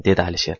dedi alisher